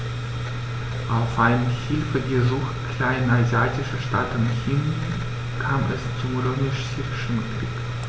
Auf ein Hilfegesuch kleinasiatischer Staaten hin kam es zum Römisch-Syrischen Krieg.